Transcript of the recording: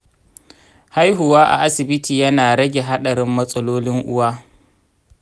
haihuwa a asibiti yana rage haɗarin matsalolin uwa.